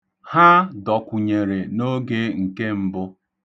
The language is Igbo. Ha dọkwụnyere n'oge nke mbụ.